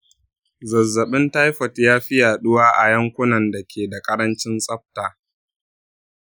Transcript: zazzabin taifot ya fi yaduwa a yankunan da ke da ƙarancin tsafta.